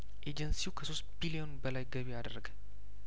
ኤጀንሲው ከሶስት ቢሊዮን በላይ ገቢ አደረገ